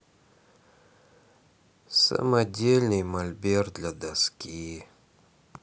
самодельный мольберт для доски